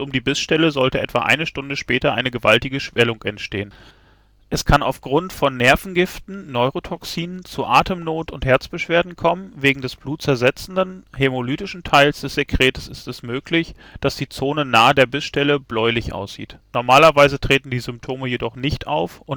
die Bissstelle sollte etwa eine Stunde später eine gewaltige Schwellung entstehen, es kann auf Grund von Nervengiften (Neurotoxinen) zu Atemnot und Herzbeschwerden kommen, wegen des blutzersetzenden (hämolytischen) Teils des Sekretes ist es möglich, dass die Zone nahe der Bissstelle bläulich aussieht. Normalerweise treten die Symptome jedoch nicht auf